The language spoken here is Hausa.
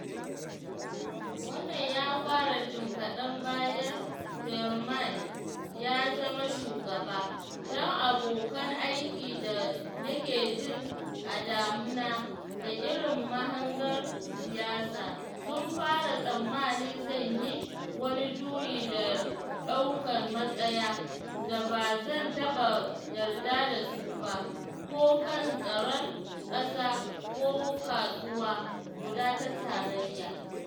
Wannan ya fara jim kaɗan bayan Jeremy ya zama shugaba, don abokan aiki da nake jin a da muna da irin mahangar siyasa sun fara tsammani zan yi wani juyi da daukan matsaya da ba zan taɓa yarda da su ba - ko a kan tsaron ƙasa ko kasuwa guda ta Tarayyar Turai.